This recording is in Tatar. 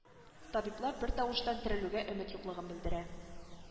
Табиблар бертавыштан терелүгә өмет юклыгын белдерә